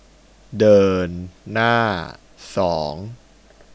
เดินหน้าสอง